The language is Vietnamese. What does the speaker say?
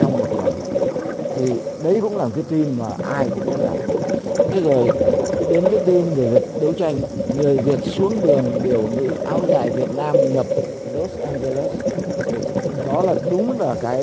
trong một tuần thì đấy cũng là một cái tin mà ai cũng muốn đọc thế rồi đến cái tin người việt đấu tranh người việt xuống đường biểu ngữ áo dài việt nam ngập lốt an giơ lét thì đó là đúng là cái